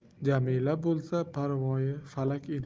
jamila bo'lsa parvoyifalak edi